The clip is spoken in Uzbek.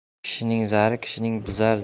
kishining zari kishini buzar